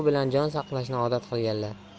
uyqu bilan jon saqlashni odat qilganlar